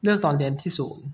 เลือกตอนเรียนที่ศูนย์